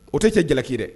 O tɛ cɛ jalaki ye dɛ.